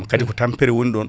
kaadi ko tampere woni ɗon